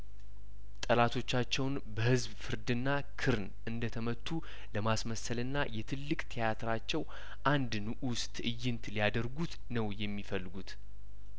ጠላቶቻቸውን በህዝብ ፍርድና ክርን እንደተመቱ ለማስመሰልና የትልቅ ቴያትራቸው አንድንኡስ ትእይንት ሊያደርጉት ነው የሚፈልጉት